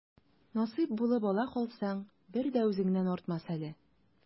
Насыйп булып ала калсаң, бер дә үзеңнән артмас әле.